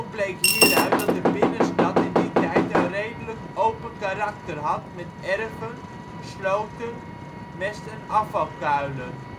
bleek hieruit dat de binnenstad in die tijd een redelijk open karakter had met erven, sloten, mest - en afvalkuilen